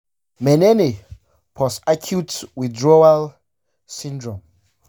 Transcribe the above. mene ne post-acute withdrawal syndrome?